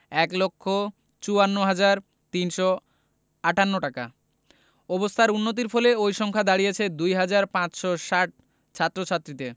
ছিল ১ লক্ষ ৫৪ হাজার ৩৫৮ টাকা অবস্থার উন্নতির ফলে ওই সংখ্যা দাঁড়িয়েছে ২ হাজার ৫৬০ ছাত্রছাত্রীতে এ